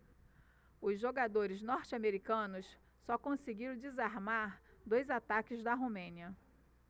os jogadores norte-americanos só conseguiram desarmar dois ataques da romênia